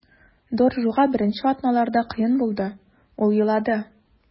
Доржуга беренче атналарда кыен булды, ул елады.